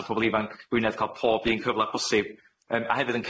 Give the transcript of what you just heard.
a pobol ifanc Gwynedd ca'l pob un cyfla posib yym a hefyd yn